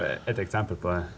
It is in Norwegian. et eksempel på det.